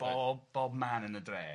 Bob bob man yn y dre.